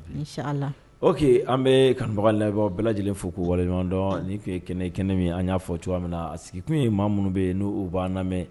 Ala la oke an bɛ kanbaga labɔ bɛɛ lajɛlen fo ko waleɲumandɔn ni kɛ kɛnɛ min an y'a fɔ cogoya min a sigi tun ye maa minnu bɛ yen n'u b'an lamɛn